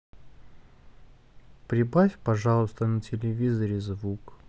прибавь пожалуйста на телевизоре звук